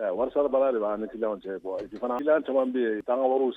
An caman